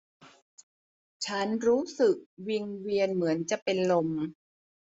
ฉันรู้สึกวิงเวียนเหมือนจะเป็นลม